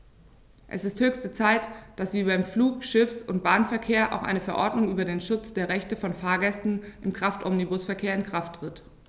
Es ist höchste Zeit, dass wie beim Flug-, Schiffs- und Bahnverkehr auch eine Verordnung über den Schutz der Rechte von Fahrgästen im Kraftomnibusverkehr in Kraft tritt.